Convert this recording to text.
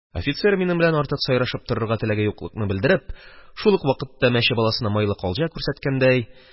Офицер, минем белән артык сайрашып торырга теләге юклыкны белдереп, шул ук вакытта мәче баласына майлы калҗа күрсәткәндәй: